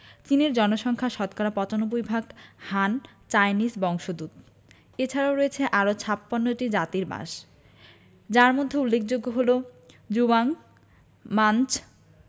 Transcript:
চীনের জনসংখ্যা শতকরা ৯৫ ভাগ হান চাইনিজ বংশোদূত এছারাও রয়েছে আরও ৫৬ টি জাতির বাস যার মধ্যে উল্লেখযোগ্য হলো জুয়াং মাঞ